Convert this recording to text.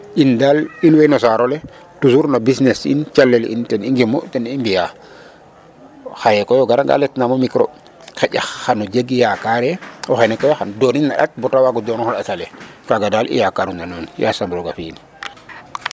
In daal in way no saar ole toujours :frano busness in, calel in, ten i njemu ten i mbi'aa xaye koy o garanga letnaam o micro xaƴa xan jeg yakaare oxene koy xan dooninna ƭat bata waag o donoox na ƭat ale kaaga daal i yakaru na nuun yaasam roog a fi'in.